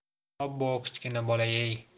obbo kichkina bolayey